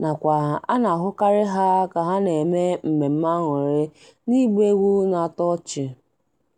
nakwa a na-ahụkarị ha ka ha na-eme mmemme aṅurị n'ịgba egwu na-atọ ọchị.